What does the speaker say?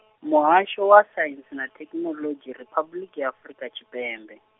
Muhasho wa Saintsi na Thekhinoḽodzhi Riphabuḽiki ya Afrika Tshipembe.